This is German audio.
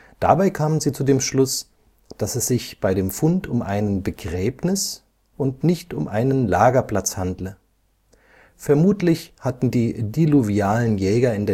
Dabei kamen sie zu dem Schluss, dass es sich bei dem Fund um einen Begräbnis - und nicht um einen Lagerplatz handle. Vermutlich hätten die diluvialen Jäger in